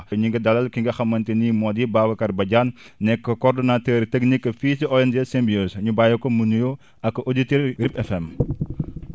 ñu ngi dalal ki nga xamante ni moo di Babacar Badiane nekk coordonnateur technique fii ci ONG Symbiose ñu bàyyi ko mu nbuyoo ak auditeurs RIP FM